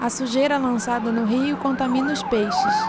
a sujeira lançada no rio contamina os peixes